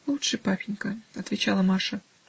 "Лучше, папенька", -- отвечала Маша.